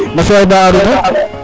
na fi'o yee Ba Arona